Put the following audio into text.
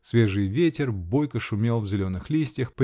свежий ветер бойко шумел в зеленых листьях